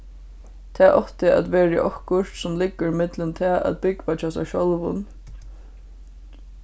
tað átti at verið okkurt sum liggur millum tað at búgva hjá sær sjálvum